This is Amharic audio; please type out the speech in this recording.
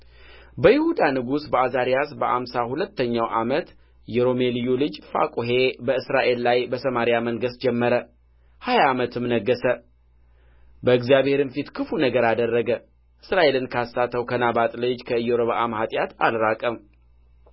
በይሁዳ ንጉሥ በዓዛርያስ በአምሳ ሁለተኛው ዓመት የሮሜልዩ ልጅ ፋቁሔ በእስራኤል ላይ በሰማርያ መንገሥ ጀመረ ሀያ ዓመትም ነገሠ በእግዚአብሔርም ፊት ክፉ ነገር አደረገ እስራኤልን ካሳተው ከናባጥ ልጅ ከኢዮርብዓም ኃጢአት አልራቀም